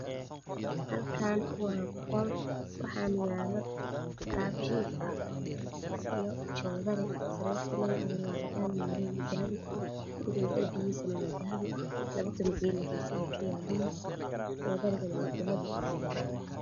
Halkaan waa qol waxaa yaalo alab jiif sariirta madaxewda cadaan joowarigana waa dahabi madow